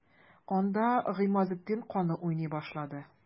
Анда Гыймазетдин каны уйный башлады.